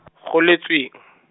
goletsweng.